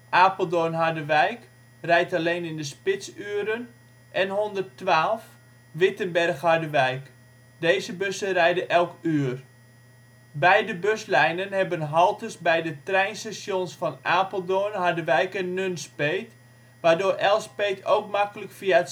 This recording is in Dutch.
Apeldoorn - Harderwijk: rijdt alleen in de spitsuren), en 112 (Wittenberg-Harderwijk). Deze bussen rijden elk uur. Beide buslijnen hebben haltes bij de treinstations van Apeldoorn, Harderwijk en Nunspeet), waardoor Elspeet ook makkelijk via